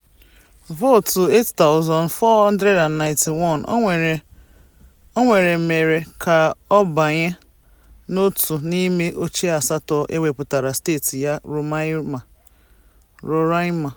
Vootu 8,491 o nwere mere ka ọ banye n'otu n'ime oche asatọ e wepụtara steeti ya, Roraima.